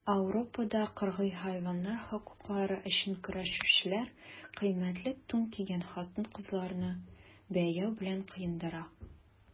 Ауропада кыргый хайваннар хокуклары өчен көрәшүчеләр кыйммәтле тун кигән хатын-кызларны буяу белән коендыра.